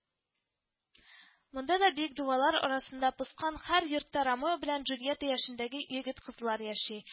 Монда да биек дуваллар арасында поскан һәр йортта Ромео белән Джульетта яшендәге егет-кызлар яши